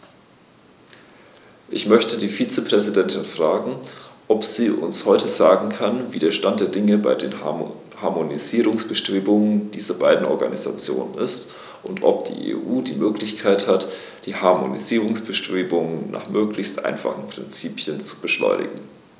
Ich möchte die Vizepräsidentin fragen, ob sie uns heute sagen kann, wie der Stand der Dinge bei den Harmonisierungsbestrebungen dieser beiden Organisationen ist, und ob die EU die Möglichkeit hat, die Harmonisierungsbestrebungen nach möglichst einfachen Prinzipien zu beschleunigen.